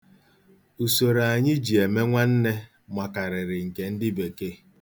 Usoro anyị ji eme nwanne makarịrị nke ndị bekee.